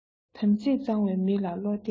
དམ ཚིག གཙང མའི མི ལ བློ གཏད བཅོལ